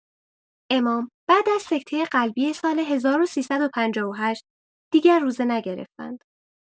امام بعد از سکته قلبی سال ۱۳۵۸ دیگر روزه نگرفتند.